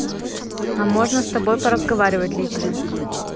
а можно с тобой поразговаривать лично